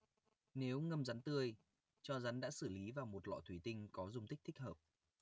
nếu ngâm rắn tươi cho rắn đã xử lý vào một lọ thủy tinh có dung tích thích hợp